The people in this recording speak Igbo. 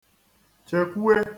chèkwue